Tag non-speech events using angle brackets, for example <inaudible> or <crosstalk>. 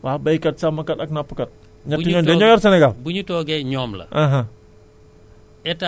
<hesitation> lu ñu wax sàmmkat yi surtout li may gërëm nag mooy baykat yi sàmmkat yi nappkat yi